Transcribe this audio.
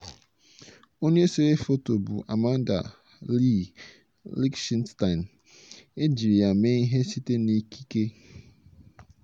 Onye sere Foto bụ Amanda Leigh Lichtenstein, e jiri ya mee ihe site n'ikike.